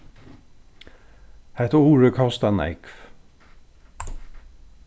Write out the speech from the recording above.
hetta urið kostar nógv